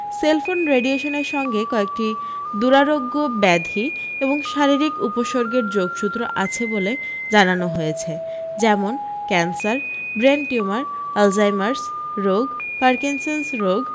cellphone রেডিয়েশনের সঙ্গে কয়েকটি দুরারোগ্য ব্যাধি এবং শারীরিক উপসর্গের যোগসূত্র আছে বলে জানানো হয়েছে যেমন ক্যানসার ব্রেন টিউমার অ্যালজাইমার্স রোগ পারকিনসনস রোগ